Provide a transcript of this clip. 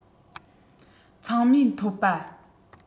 ཚང མས འཐོབ པ